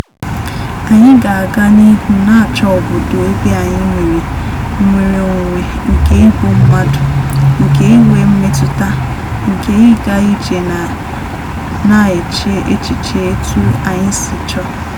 Anyị ga-aga n'ihu na-achọ obodo ebe anyị nwere nnwere onwe nke ịbụ mmadụ, nke inwe mmetụta, nke ịga ije na na-eche echiche etu anyị si chọọ.